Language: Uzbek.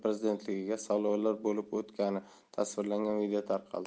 prezidentligiga saylovlar bo'lib o'tgani tasvirlangan video tarqaldi